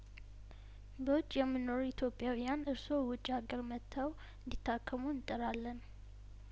በውጭ የምንኖር ኢትዮጵያውያን እርስዎ ውጭ አገር ወተው እንዲ ታከሙ እንጥራለን